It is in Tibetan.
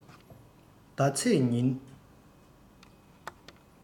ཟླ ཚེས ཉིན